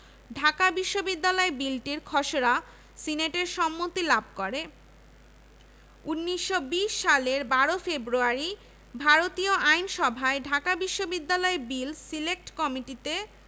উপাচার্য ডিসেম্বরের ১০ তারিখে দায়িত্ব গ্রহণ করেন প্রতিষ্ঠাকাল থেকে এ পর্যন্ত ২৭ জন উপাচার্য দায়িত্ব পালন করেন ঢাকা বিশ্ববিদ্যালয়ের প্রথম কোষাধ্যক্ষ অবৈতনিক ছিলেন